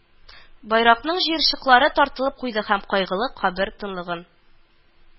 Байракның җыерчыклары тартылып куйды һәм кайгылы кабер тынлыгын